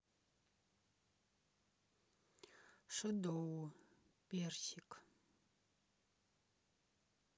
шедоу персик